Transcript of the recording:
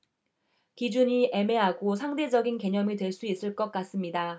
기준이 애매하고 상대적인 개념이 될 수 있을 것 같습니다